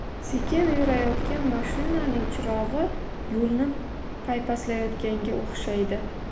sekin yurayotgan mashinaning chirog'i yo'lni paypaslayotganga o'xshaydi